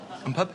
Yn pub.